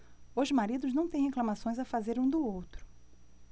os maridos não têm reclamações a fazer um do outro